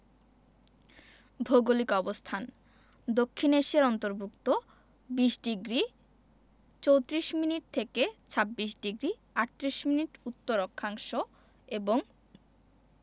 ভৌগোলিক অবস্থানঃ দক্ষিণ এশিয়ার অন্তর্ভুক্ত ২০ডিগ্রি ৩৪ মিনিট থেকে ২৬ ডিগ্রি ৩৮ মিনিট উত্তর অক্ষাংশ এবং